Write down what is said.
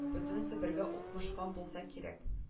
Бөтенесе бергә укмашкан булса кирәк